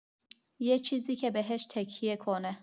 یه چیزی که بهش تکیه کنه.